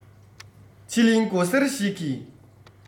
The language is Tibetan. ཕྱི གླིང མགོ སེར ཞིག གིས